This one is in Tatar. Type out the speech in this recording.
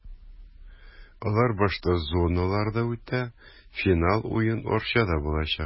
Алар башта зоналарда үтә, финал уен Арчада булачак.